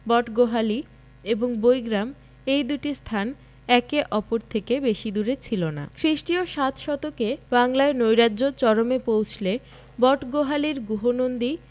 বটগোহালী এবং বৈগ্রাম এ দুটি স্থান একে অপর থেকে বেশিদূরে ছিল না খ্রিস্টীয় সাত শতকে বাংলায় নৈরাজ্য চরমে পৌঁছলে বটগোহালীর গুহনন্দী